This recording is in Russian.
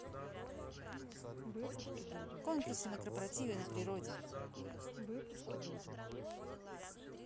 конкурсы на корпоративе на природе